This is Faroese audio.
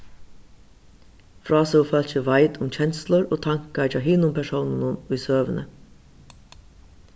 frásøgufólkið veit um kenslur og tankar hjá hinum persónunum í søguni